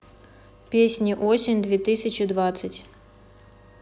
песни осень две тысячи двадцать